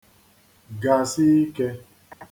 gàsi ikē